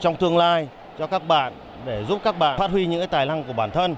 trong tương lai cho các bạn để giúp các bạn phát huy những cái tài năng của bản thân